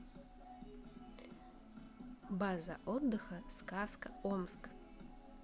база отдыха сказка омск